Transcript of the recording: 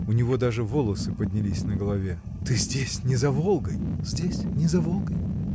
У него даже волосы поднялись на голове. — Ты здесь, не за Волгой!. — Здесь, не за Волгой!